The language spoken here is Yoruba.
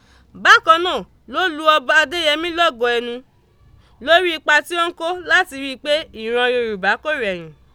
Bákan náà ló lu ọba Adéyẹmí lọ́gọ ẹnu lórí ipa tí ó ń kó láti ríi pé ìran Yorùbá kò rẹ̀yìn.